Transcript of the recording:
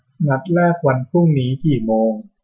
นัดแรกวันพรุ่งนี้กี่โมง